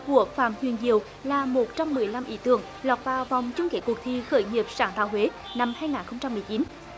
của phạm huyền diệu là một trong mười lăm ý tưởng lọt vào vòng chung kết cuộc thi khởi nghiệp sáng tạo huế năm hai ngàn không trăm mười chín